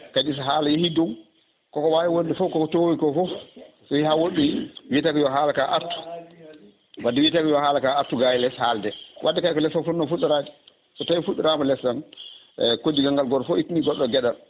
kadi so haala yeehi dow koka wawi wonde foof koka towoyi ko foof so yeehi ha woɗɗoyi wiite ko yo haalaka artu wadde wiite ko yo haalaka artu nga e less haalde wadde kay ko less o fonno fuɗɗorade so tawi fuɗɗorama less noon Ee koddigal ngal goto foof ittani goɗɗo o gueɗal